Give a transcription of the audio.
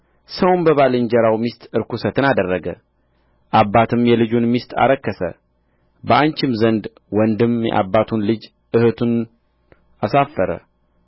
ሰውም በባልንጀራው ሚስት ርኵሰትን አደረገ አባትም የልጁን ሚስት አረከሰ በአንቺም ዘንድ ወንድም የአባቱን ልጅ እኅቱን አሳፈረ